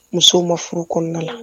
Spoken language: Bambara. Muso ma furu kɔnɔna la